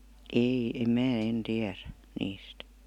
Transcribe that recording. ei en minä en tiedä niistä